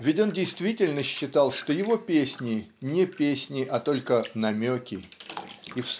Ведь он действительно считал что его песни не песни а только "намеки" и